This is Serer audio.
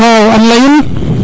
waaw an leyun